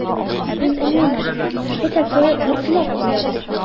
Тик менә аңламадым, что такое "уртлап куябыз" була?